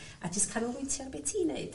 a jys canolbwyntia ar be' ti'n neud.